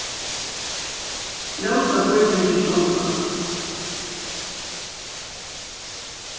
rósa býr fyri seg sjálva